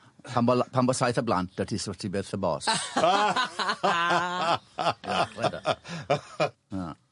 pan bo' la- pan bo' saith o blant 'da ti so ti byth yn boss. Na.